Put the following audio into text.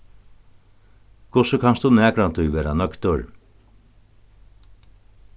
hvussu kanst tú nakrantíð vera nøgdur